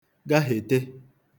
gahete